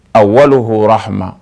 A wɔ hra hama